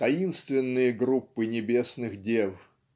таинственные группы небесных дев".